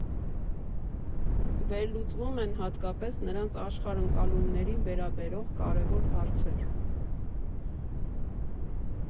Վերլուծվում են հատկապես նրանց աշխարհընկալումներին վերաբերող կարևոր հարցեր։